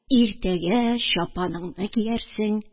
Иртәгә чапаныңны киярсе